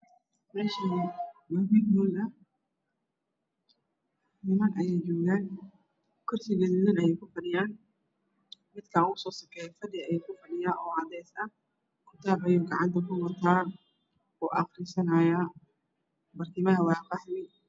Meeshaan waa meel hool ah niman ayaa joogaan kursi gaduudan ayay kufadhiyaan. Midka ugu soo sukeeyo fadhi ayuu kufadhiyaa oo cadeys ah kitaab ayuu gacanta ku wataan oo uu aqrisanayo barkimaha waa qaxwi.